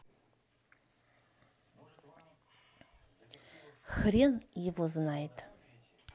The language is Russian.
хрен его знает